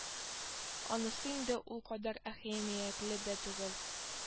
Анысы инде ул кадәр әһәмиятле дә түгел